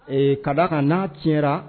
Ee ka da kan na tiɲɛ la